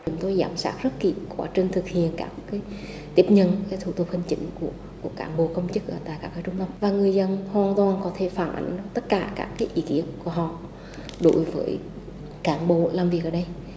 chúng tôi giám sát rất kỹ quá trình thực hiện các ký tiếp nhận về thủ tục hành chính của cán bộ công chức ở tại các trung tâm và ngư dân hoàn toàn có thể phản ánh tất cả các nghị ý kiến của họ đối với cán bộ làm việc ở đây